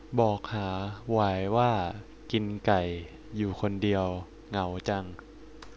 บอกหาหวายว่ากินไก่อยู่คนเดียวเหงาจัง